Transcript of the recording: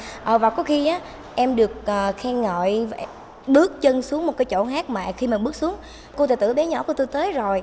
ờ và có khi á em được ờ khen ngợi vẻ bước chân xuống một cái chỗ hát mà khi mà bước xuống cô tài tử bé nhỏ của tôi tới rồi